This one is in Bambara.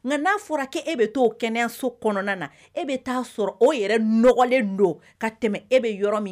Nka n'a fɔra' e bɛ to o kɛnɛyaso kɔnɔna na e bɛ' sɔrɔ o yɛrɛ nɔgɔlen don ka tɛmɛ e bɛ yɔrɔ min